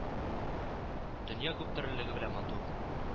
Дөнья күптөрлелеге белән матур